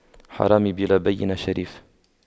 حرامي بلا بَيِّنةٍ شريف